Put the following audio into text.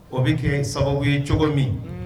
O bɛ kɛ sababu ye cogo min